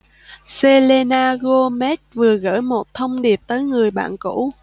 selena gomez vừa gửi một thông điệp tới người bạn cũ